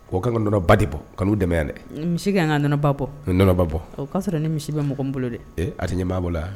K kaɔnɔ ba de bɔ kanu dɛmɛ dɛ misikɛ n ka nana ba bɔ nɔnɔ ba bɔ o k'a sɔrɔ ne misi bɛ mɔgɔ n bolo dɛ a ɲɛ' bolo yan